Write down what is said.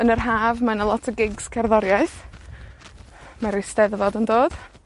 Yn yr Haf, mae 'na lot o gigs cerddoriaeth. Mae'r Eisteddfod yn dod.